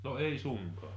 no ei suinkaan